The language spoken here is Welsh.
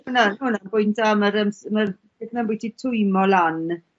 Hwnna, ma' hwnna'n bwynt da ma'r yym s- ma'r beth 'na ambwytu twymo lan